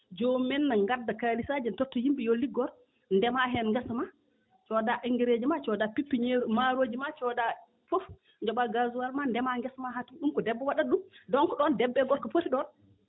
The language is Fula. jomumen ne ngadda kalissaaji ne totta yimɓe yo liggoro ndemaa heen ngesa maa coodaa engaris ji maa coodaa pipiniére maaroji ma coodaa fof njoɓaa gasoil maa ndemaa ngesa maa haa * ɗum ko debbo waɗata ɗum donc ɗoon debbo e gorko poti ɗoon